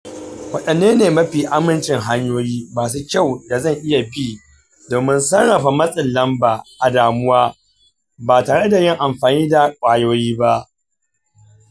wadanne ne mafi amicin hanyoyi masu kyau da zan iya bi domin sarrafa matsin lamba da damuwa ba tare da yin amfani da kwayoyi ba?